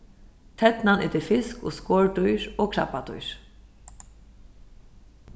ternan etur fisk og skordýr og krabbadýr